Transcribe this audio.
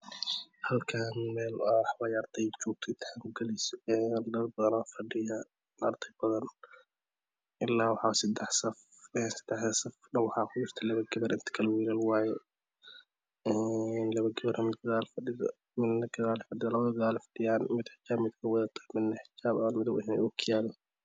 Halkaan meel waxaa waaye arday joogta itaxaan ku galayso dad fadhiyaan arday badan ilaa waxaa waaye sadex saf sadexdaas saf waxaa ku jirta labo gabar inta kale wiilal waaye labo gabar aa mid gadaal fadhido labada gadaal bey fadhiyaan mid xijaab madow ay wadataa midna xijaab aan madow aheyn okiyalo